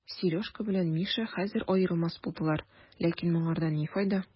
Сережка белән Миша хәзер аерылмас булдылар, ләкин моңардан ни файда?